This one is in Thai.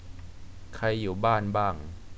ใครอยู่บ้านบ้าง